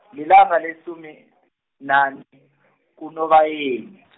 lilanga lesumi, nane , kuNobayeni .